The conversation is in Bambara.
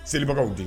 Selibagawkaw di